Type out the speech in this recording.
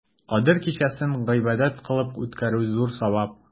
Кадер кичәсен гыйбадәт кылып үткәрү зур савап.